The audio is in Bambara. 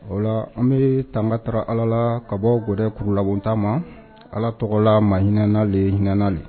Ola an bɛ tanga tara Ala la ka bɔ godɛ kuru labonta ma Ala tɔgɔ la mahinɛnale hinɛnale.